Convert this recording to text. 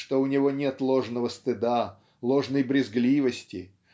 что у него нет ложного стыда ложной брезгливости